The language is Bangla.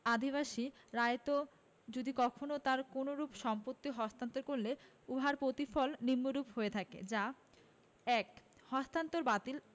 আদিবাসী রায়ত যদি কখনো তার কোনরূপ সম্পত্তি হস্তান্তর করলে উহার প্রতিফল নিম্নরূপ হয়ে থাকে যা ১ হস্তান্তর বাতিল